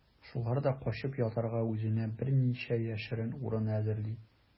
Шуларда качып ятарга үзенә берничә яшерен урын әзерли.